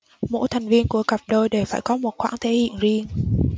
mỗi thành viên của cặp đôi đều phải có một khoảng thể hiện riêng